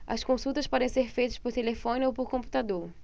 as consultas podem ser feitas por telefone ou por computador